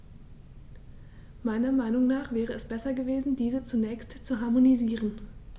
Meiner Meinung nach wäre es besser gewesen, diese zunächst zu harmonisieren.